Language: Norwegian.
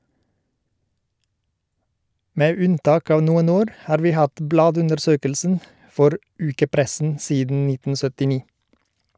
Med unntak av noen år har vi hatt bladundersøkelsen for ukepressen siden 1979.